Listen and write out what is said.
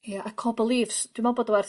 Ia y core beliefs dwi meddwl bod o werth...